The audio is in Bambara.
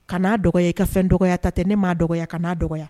Kana n'a dɔgɔ ye i ka fɛn dɔgɔya ta tɛ ne maa dɔgɔya ka kana'a dɔgɔya